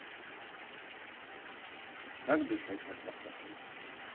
как дышать над картошкой